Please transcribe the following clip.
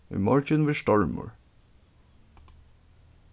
í morgin verður stormur